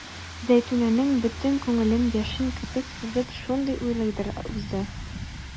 Зәйтүнәнең бөтен күңелен яшен кебек сызып шундый уйлар узды.